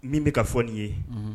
Min bɛ ka fɔ nin ye, unhun.